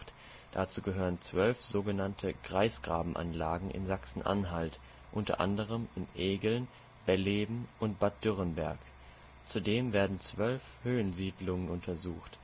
gehören zwölf sogenannte Kreisgrabenanlagen in Sachsen-Anhalt, unter anderem in Egeln, Belleben und Bad Dürrenberg. Zudem werden zwölf Höhensiedlungen untersucht